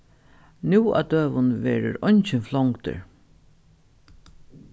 nú á døgum verður eingin flongdur